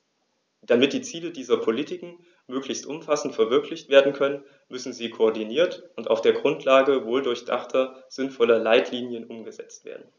Damit die Ziele dieser Politiken möglichst umfassend verwirklicht werden können, müssen sie koordiniert und auf der Grundlage wohldurchdachter, sinnvoller Leitlinien umgesetzt werden.